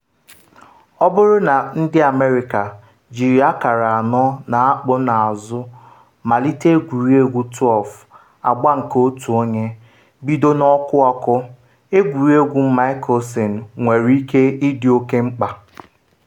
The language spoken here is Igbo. Ọ bụrụ na ndị America, jiri akara anọ n’akpụ n’azụ malite egwuregwu 12 agba nke otu onye, bido n’ọkụ ọkụ, egwuregwu Mickelson nwere ike ịdị oke mkpa.